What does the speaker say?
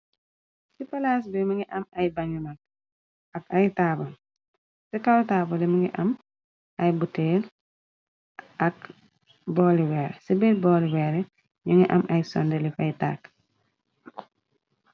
ci palaas bii mungi am ay bangi magg, ak ay taabal, ci kaw taabali mungi am ay buteel, ak booli weere, ci bir booli weeri ñu ngi am ay sondeel li fay tàkk.